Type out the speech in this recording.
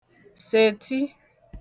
sètị